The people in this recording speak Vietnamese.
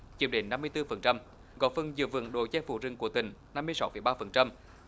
chiếm đến năm mươi tư phần trăm góp phần giữ vững độ che phủ rừng của tỉnh năm mươi sáu phẩy ba phần trăm